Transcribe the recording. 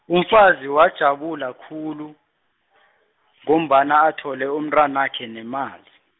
umfazi wajabula khulu , ngombana athole umntwanakhe nemali.